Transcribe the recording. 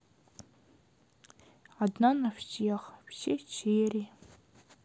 одна на всех все серии